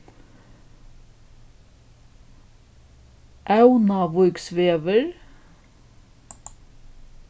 ónavíksvegur